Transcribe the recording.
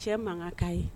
Cɛ mankan ka ye